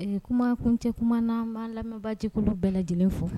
Ee kumakun tɛ kuma na' lamɛnbaajɛkulu bɛɛ lajɛlen fɔ